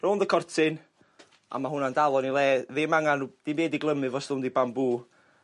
rownd y cortyn, a ma hwnna'n dal fo yn 'i le ddim angan rw- dim byd i glymu fo os defnyddio bambŵ.